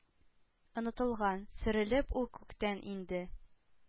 Онытылган. Сөрелеп ул күктән иңде